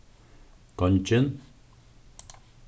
gongin